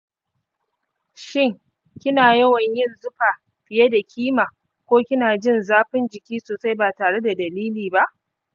shin kina yawan yin zufa fiye da kima ko kina jin zafin jiki sosai ba tare da dalili ba?